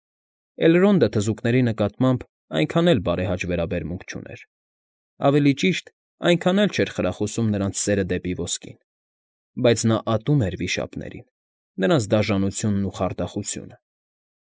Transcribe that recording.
Էլրոնդը թզուկների նկատմամբ այնքան էլ բարեհաճ վերաբերմունք չուներ, ավելի ճիշտ՝ այնքան էլ չէր խրախուսում նրանց սերը դեպի ոսկին, բայց նա ատում էր վիշապներին, նրանց դաժանությունն ու խարդախությունը։